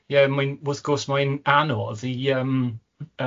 Ie, mae'n wrth gwrs mae'n anodd i yym yy